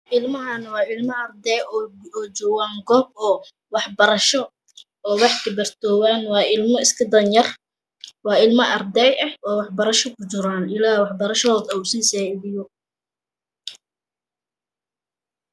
Ilmahan waa ilmo arday ah oo joogo goob wax barasho oo wax kabarto meel waa ilmo iska danyar waa ilmo ardey eh oo waxbarasho kujiraan ilaahay wax barashadooda ha usii saaidiyo